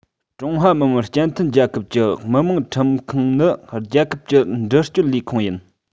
ཀྲུང ཧྭ མི དམངས སྤྱི མཐུན རྒྱལ ཁབ ཀྱི མི དམངས ཁྲིམས ཁང ནི རྒྱལ ཁབ ཀྱི འདྲི གཅོད ལས ཁུངས ཡིན